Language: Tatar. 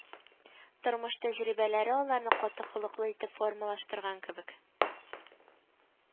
Тормыш тәҗрибәләре аларны каты холыклы итеп формалаштырган кебек